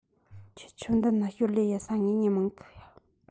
ཁྱོད ཆོ འདི ན ཞོར ལས ཡེད ས ངེས ངེས མང གི ཡ